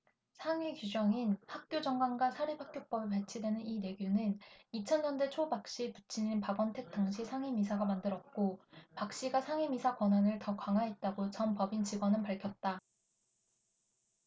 상위 규정인 학교 정관과 사립학교법에 배치되는 이 내규는 이천 년대 초 박씨 부친인 박원택 당시 상임이사가 만들었고 박씨가 상임이사 권한을 더 강화했다고 전 법인 직원은 밝혔다